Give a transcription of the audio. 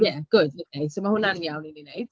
Ie, gwd. Ok so ma' hwnna'n iawn i ni wneud.